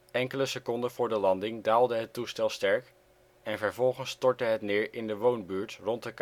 Enkele seconden voor de landing daalde het toestel sterk en vervolgens stortte het neer in de woonbuurt rond de